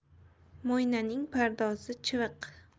mo'ynaning pardozi chiviq